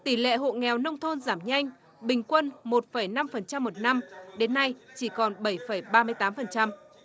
tỷ lệ hộ nghèo nông thôn giảm nhanh bình quân một phẩy năm phần trăm một năm đến nay chỉ còn bảy phẩy ba mươi tám phần trăm